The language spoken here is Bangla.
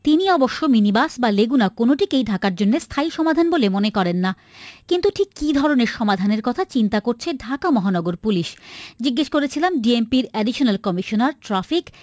তিনি অবশ্য মিনিবাস বা লেগুনা কোন টিকেই ঢাকার জন্য স্থায়ী সমাধান বলে মনে করেন না কিন্তু ঠিক কি ধরনের সমাধানের কথা চিন্তা করছে ঢাকা মহানগর পুলিশ জিজ্ঞেস করেছিলাম ডিএমপির এডিশনাল কমিশনার ট্রাফিক